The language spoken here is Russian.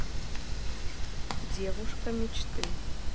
девушка мечты